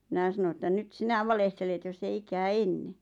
minä sanoin että nyt sinä valehtelet jos ei ikään ennen